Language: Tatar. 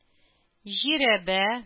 Жирәбә